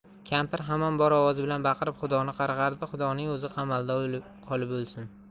kampir hamon bor ovozi bilan baqirib xudoni qarg'ardi xudoning o'zi qamalda qolib o'lsin